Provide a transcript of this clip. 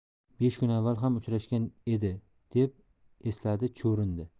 besh kun avval ham uchrashgan edi deb eslatdi chuvrindi